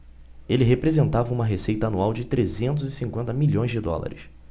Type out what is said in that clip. ele representava uma receita anual de trezentos e cinquenta milhões de dólares